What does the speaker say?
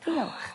Diolch!